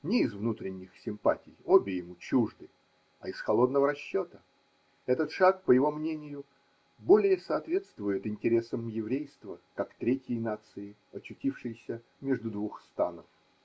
не из внутренних симпатий (обе ему чужды), а из холодного расчета: этот шаг, по его мнению, более соответствует интересам еврейства, как третьей нации, очутившейся между двух станов.